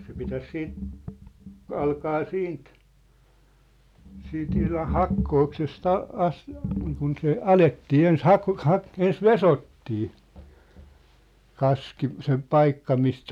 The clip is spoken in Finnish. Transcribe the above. se pitäisi sitten alkaa siitä siitä ihan hakkooksesta -- niin kuin se alettiin ensin -- ensin vesottiin kaski se paikka mistä